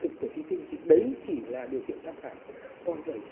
thực của thí sinh thì đấy chỉ là điều kiện tham khảo còn vẩy